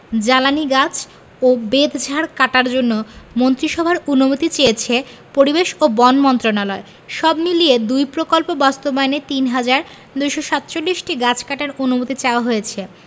জ্বালানি গাছ ও বেতঝাড় কাটার জন্য মন্ত্রিসভার অনুমতি চেয়েছে পরিবেশ ও বন মন্ত্রণালয় সব মিলিয়ে দুই প্রকল্প বাস্তবায়নে ৩হাজার ২৪৭টি গাছ কাটার অনুমতি চাওয়া হয়েছে